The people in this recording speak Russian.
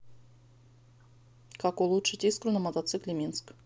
как улучшить искру на мотоцикле минск